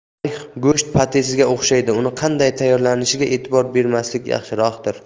tarix go'sht pate siga o'xshaydi uni qanday tayyorlanishiga e'tibor bermaslik yaxshiroqdir